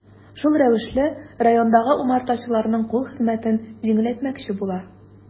Шул рәвешле районындагы умартачыларның кул хезмәтен җиңеләйтмәкче була.